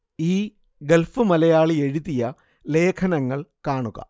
ഈ ഗൾഫ് മലയാളി എഴുതിയ ലേഖനങ്ങൾ കാണുക